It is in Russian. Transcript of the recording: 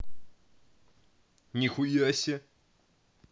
нихуясе